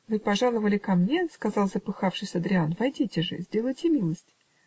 "Вы пожаловали ко мне, -- сказал, запыхавшись, Адриян, -- войдите же, сделайте милость".